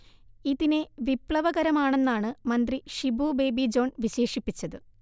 ഇതിനെ വിപ്ലവകരമാണെന്നാണ് മന്ത്രി ഷിബു ബേബി ജോൺ വിശേഷിപ്പിച്ചത്